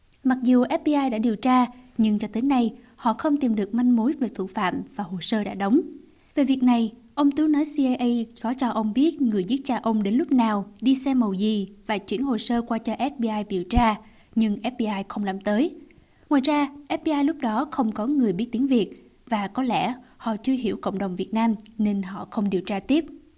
mặc dù ép bi ai đã điều tra nhưng cho tới nay họ không tìm được manh mối về thủ phạm và hồ sơ đã đóng về việc này ông tước nói xi e ây có cho ông biết người giết cha ông đến lúc nào đi xe màu gì và chuyển hồ sơ qua cho ép bi ai điều tra nhưng ép bi ai không làm tới ngoài ra ép bi ai lúc đó không có người biết tiếng việt và có lẽ họ chưa hiểu cộng đồng việt nam nên họ không điều tra tiếp